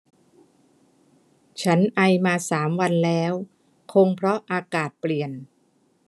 ฉันไอมาสามวันแล้วคงเพราะอากาศเปลี่ยน